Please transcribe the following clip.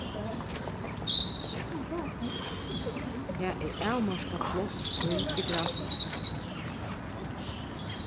tað er avmarkað pláss í biografinum